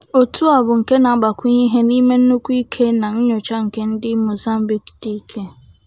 Otu a bụ nke na-agbakwụnye ihe n'ime nnukwu ike na nnyocha nke ndị Mozambique dị ike.